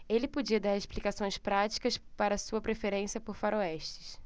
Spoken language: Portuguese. ele podia dar explicações práticas para sua preferência por faroestes